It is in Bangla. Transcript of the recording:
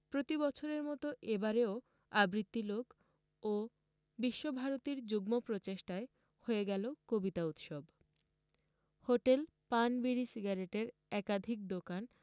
প্রতি বছরের মতো এবারেও আবৃত্তিলোক ও বিশ্বভারতীর যুগ্ম প্রচেষ্টায় হয়ে গেল কবিতা উৎসব হোটেল পান বিড়ি সিগারেটের একাধিক দোকান